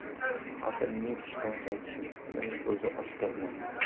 xotinining ishdan qaytishini kutmay o'zi oshga unnadi